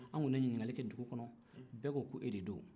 an kɔnin ye ɲininkali kɛ dugu kɔnɔ bɛɛ ko e de don